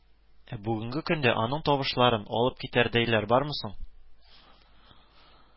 Ә бүгенге көндә аның табышларын алып китәрдәйләр бармы соң